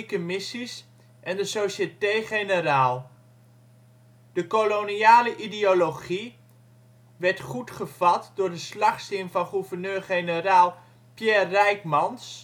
de katholieke missies en de Société Générale). De koloniale ideologie werd goed gevat door de slagzin van gouverneur-generaal Pierre Ryckmans